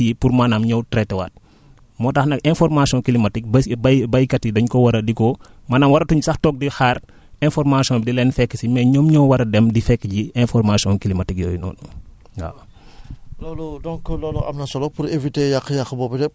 te bu je suis obligé encore ma dem utiwaat encore yeneen kii pour maanaam ñëw traiter waat moo tax nag information climatique ba si bay baykat yi dan ko war a di ko maanaam waratuñ sax toog di xaar information bi di leen fekk si mais ñoom ñoo war a dem di fekk i ji information climatique yooyu noonu waaw